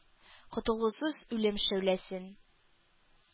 Котылгысыз үлем шәүләсен.